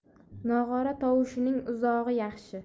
nog'ora tovushining uzog'i yaxshi